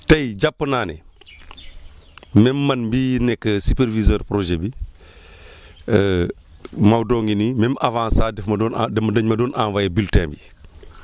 tey jàpp naa ne même man mii nekk superviseur projet bi Maodo ngi nii même avant ça daf ma doon en dañ ma doon envoyé bulletion bi